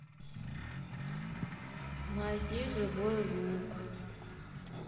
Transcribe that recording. найди живой лук